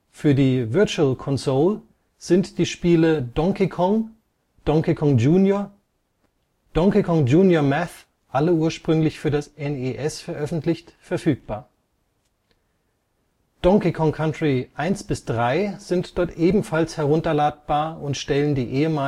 Für die Virtual Console sind die Spiele Donkey Kong, Donkey Kong Jr., Donkey Kong Jr. Math (alle drei NES) verfügbar. Donkey Kong Country 1-3 (SNES) sind dort ebenfalls herunterladbar. Am